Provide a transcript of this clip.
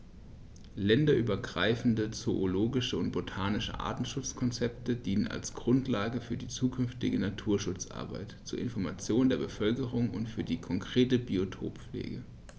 Länderübergreifende zoologische und botanische Artenschutzkonzepte dienen als Grundlage für die zukünftige Naturschutzarbeit, zur Information der Bevölkerung und für die konkrete Biotoppflege.